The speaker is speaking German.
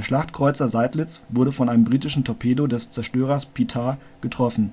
Schlachtkreuzer Seydlitz wurde von einem britischen Torpedo des Zerstörers Petard getroffen,